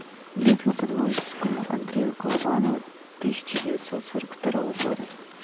битва подвойскому андрея калабанова тысяча девятьсот сорок второго года